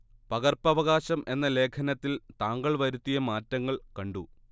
പകർപ്പവകാശം എന്ന ലേഖനത്തിൽ താങ്കൾ വരുത്തിയ മാറ്റങ്ങൾ കണ്ടു